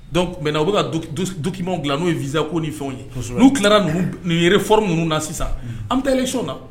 Dɔnku mɛɛna u bɛ ka dukiw n'u ye vzko ni fɛnw ye n'u tilara yɛrɛ f ninnu na sisan an bɛ taa so na